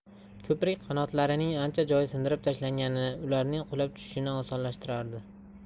ko'prik qanotlarining ancha joyi sindirib tashlangani ularning qulab tushishini osonlashtirardi